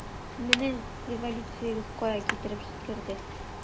Менә революциягез кая китереп җиткерде!